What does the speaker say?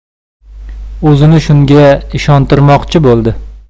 o'zini shunga ishontirmochchi bo'ldi